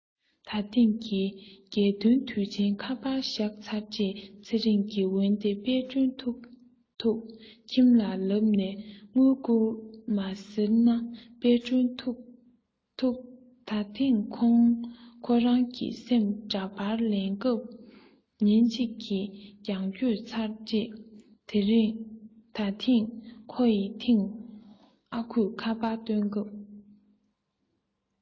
ད ཐེངས ཀྱི རྒྱལ སྟོན དུས ཆེན ཁ པར བཞག ཚར རྗེས ཚེ རིང གི འོན ཏེ དཔལ སྒྲོན ཐུགས ཁྱིམ ལ ལབ ནས དངུལ བསྐུར མ ཟེར ན དཔལ སྒྲོན ཐུགས ད ཐེངས ཁོ རང གི སེམས འདྲ པར ལེན སྐབས ཉིན གཅིག གི རྒྱང བསྐྱོད ཚར རྗེས ད ཐེངས ཁོ ཡི ཐེངས ཨ ཁུས ཨ ཕར བཏོན སྐབས